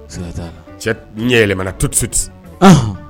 Sika t'a la, cɛ ɲɛlɛmana toute suite ahan.